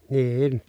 niin